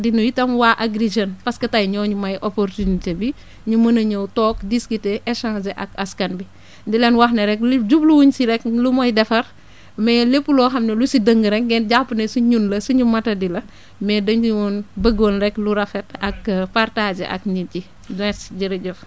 di nuyu tam waa Agri Jeunes parce que tey ñooñu may opportunité bi ñu mën a ñëw toog discuter échanger ak askan bi di leen wax ne rek li jublu wauñ si rek lu moy defar mais lépp loo xam ne lu si dëng rek ngeen jàpp ne si ñun la suñu motadi la mais dañoon bëggoon rek lu rafet ak partager ak nit yi merci jërëjëf